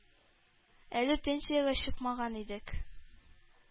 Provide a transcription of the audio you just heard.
Әле пенсиягә чыкмаган идек.